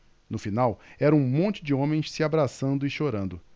no final era um monte de homens se abraçando e chorando